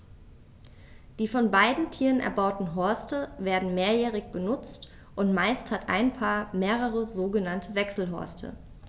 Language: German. Die von beiden Tieren erbauten Horste werden mehrjährig benutzt, und meist hat ein Paar mehrere sogenannte Wechselhorste.